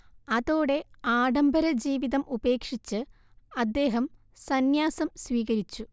അതോടെ ആഢംബരജീവിതം ഉപേക്ഷിച്ച് അദ്ദേഹം സന്യാസം സ്വീകരിച്ചു